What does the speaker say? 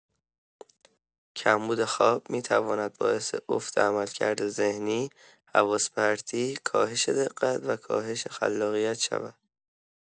کمبود خواب می‌تواند باعث افت عملکرد ذهنی، حواس‌پرتی، کاهش دقت و کاهش خلاقیت شود.